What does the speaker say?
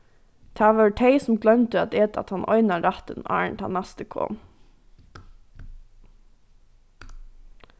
tað vóru tey sum gloymdu at eta tann eina rættin áðrenn tann næsti kom